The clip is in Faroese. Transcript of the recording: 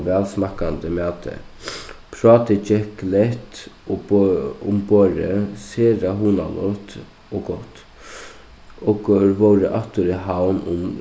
og vælsmakkandi mati prátið gekk lætt um borðið sera hugnaligt og gott okur vóru aftur í havn um